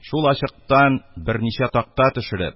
Шул ачыктан берничә такта төшереп,